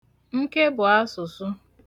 nkèbuasụ̀sụ